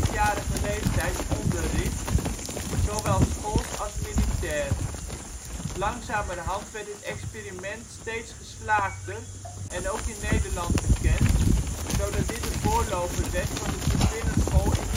5-jarige leeftijd onderricht, zowel schools als militair. Langzamerhand werd dit experiment steeds geslaagder en ook in Nederland bekend, zodat dit de voorloper werd van de Pupillenschool in